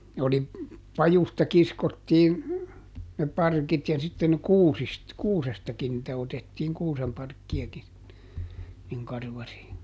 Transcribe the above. ne oli pajusta kiskottiin ne parkit ja sitten kuusista kuusestakin niitä otettiin kuusenparkkiakin niin karvari